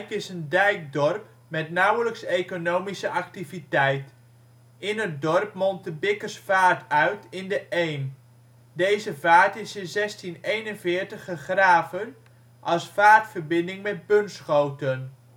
is een dijkdorp met nauwelijks economische activiteit. In Het dorp mondt de bikkersvaart uit in de eem. Deze vaart is in 1641 gegraven als vaartverbinding met Bunschoten